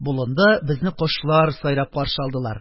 Болында безне кошлар сайрап каршы алдылар.